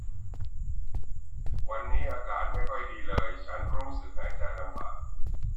วันนี้อากาศไม่ค่อยดีเลยฉันรู้สึกหายใจลำบาก